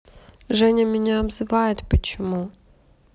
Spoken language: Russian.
женя меня обзывает почему